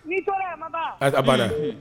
N tɔgɔ ta ka banna